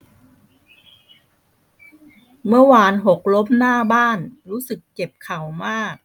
เมื่อวานหกล้มหน้าบ้านรู้สึกเจ็บเข่ามาก